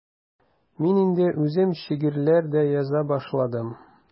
Мин инде үзем шигырьләр дә яза башладым.